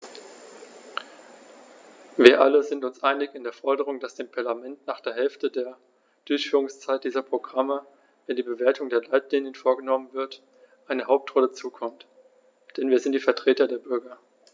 Wir alle sind uns einig in der Forderung, dass dem Parlament nach der Hälfte der Durchführungszeit dieser Programme, wenn die Bewertung der Leitlinien vorgenommen wird, eine Hauptrolle zukommt, denn wir sind die Vertreter der Bürger.